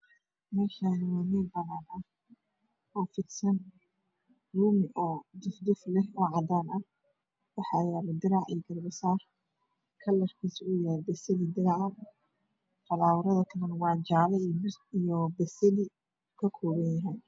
Meshaki waa mel cagar ah waxaa fidsan rumi cagar ah waxaa yala dirac iyo gaba saar kalr kiisu uu yahay diraca basali iyo jale